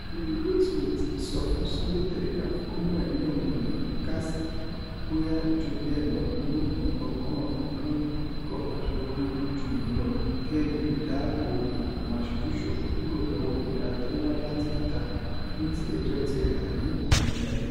Ọ̀gbẹ́ni Goldsmith sọ fún Sunday Telegraph: “Cromwell ni ọ̀pọ̀ ènìyàn kàsí, bóyá jù bẹ́ẹ̀ lọ lópin ọgọ́ọ̀rún ọdún kọkàndínlógún ju òní lọ, gẹ́gẹ́bí olùdáààbó ìgbìmọ̀ aṣojú-ṣofiń kúrò lọ́wọ́ ìnira tó ńwá láti ìta, níti ẹjọ́ tirẹ̀ àní àwọn orí-adé.